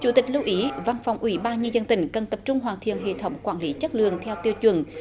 chủ tịch lưu ý văn phòng ủy ban nhân dân tỉnh cần tập trung hoàn thiện hệ thống quản lý chất lượng theo tiêu chuẩn